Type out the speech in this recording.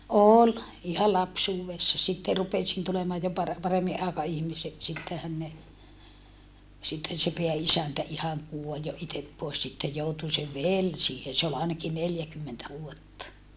oli ihan lapsuudessa sitten rupesin tulemaan jo - paremmin aikaihmiseksi sittenhän ne sitten se pääisäntä ihan kuoli jo itse pois sitten joutui se veli siihen se oli ainakin neljäkymmentä vuotta